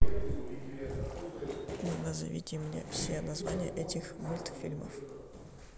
назовите мне все названия этих мультфильмов